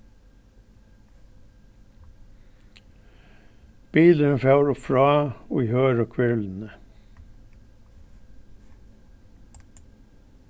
bilurin fór upp frá í hørðu hvirluni